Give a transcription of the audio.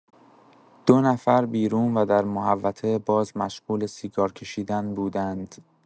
دو نفر بیرون و در محوطه باز مشغول سیگارکشیدن بودند.